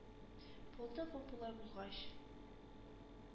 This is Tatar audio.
Булды бу болай булгач!